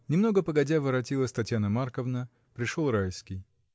Немного погодя воротилась Татьяна Марковна, пришел Райский.